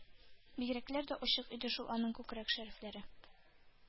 Бигрәкләр дә ачык иде шул аның күкрәк-шәрәфләре!